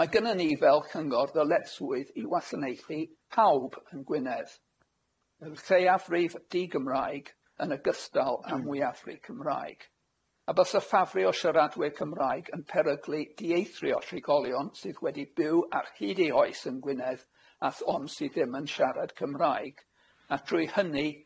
Mae gynnon ni fel Cyngor ddyletswydd i wasanaethu pawb yn Gwynedd, yn lleiafrif di-Gymraeg, yn ogystal â mwyafrif Cymraeg, a bysa ffafrio siaradwyr Cymraeg yn peryglu dieithrio'r trigolion sydd wedi byw ar hyd eu hoes yn Gwynedd, a th- ond sydd ddim yn siarad Cymraeg, a drwy hynny,